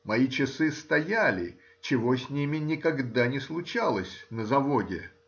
мои часы стояли — чего с ними никогда не случалось на заводе.